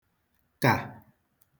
kà